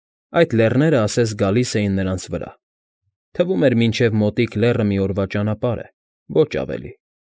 Այդ լեռներն ասես գալիս էին նրանց վրա, թվում էր մինչև մոտիկ լեռը մի օրվա ճանապարհ է, ոչ ավելի։